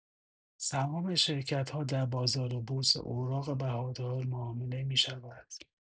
سهام شرکت‌ها در بازار بورس اوراق بهادار معامله می‌شود.